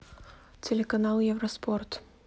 телеканал евроспорт